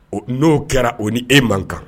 Ɔ n'o kɛra, o ni e man kan.